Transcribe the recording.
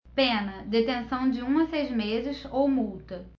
pena detenção de um a seis meses ou multa